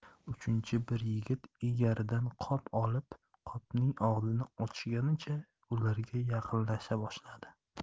uchinchi bir yigit egaridan qop olib qopning og'zini ochganicha ularga yaqinlasha boshladi